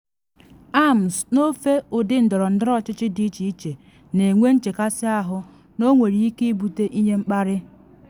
AMs n’ofe ụdị ndọrọndọrọ ọchịchị dị iche iche na enwe nchekasị ahụ na ọ nwere ike ibute ihe mkparị.